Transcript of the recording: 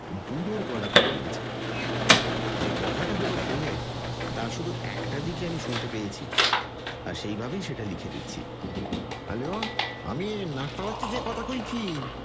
বুড়োর গলা করে নিয়েছে যে কথাটা হল ফোনে তার শুধু একটা দিকই আমি শুনতে পেয়েছিলাম আর সেইভাবেই সেটা লিখে দিচ্ছি হ্যালো আমি নাকতলা থেকে কথা কইচি